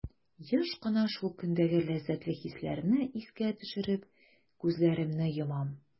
Еш кына шул көндәге ләззәтле хисләрне искә төшереп, күзләремне йомам.